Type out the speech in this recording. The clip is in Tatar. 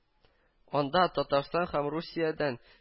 Анда Татарстан һәм Русиядән